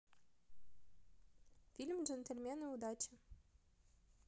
фильм джентельмены удачи